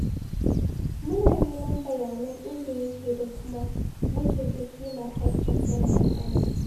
Muna neman bayanan inda yake da kuma mutumta ƙimar haƙƙinsa na ɗan'adam.